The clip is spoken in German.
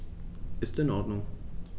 Ist in Ordnung.